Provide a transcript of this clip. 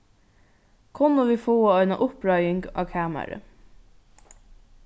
kunnu vit fáa eina uppreiðing á kamarið